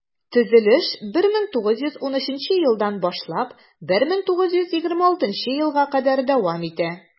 Төзелеш 1913 елдан башлап 1926 елга кадәр дәвам итә.